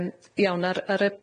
Yym iawn ar ar y